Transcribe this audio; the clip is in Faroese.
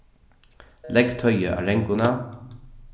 legg toyið á ranguna